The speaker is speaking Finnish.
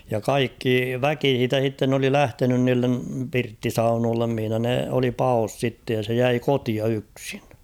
ja kaikki väki siitä sitten oli lähtenyt niille pirttisaunoille missä ne oli paossa sitten ja se jäi kotiin yksin